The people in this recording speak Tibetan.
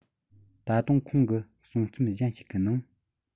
ད དུང ཁོང གི གསུང རྩོམ གཞན ཞིག གི ནང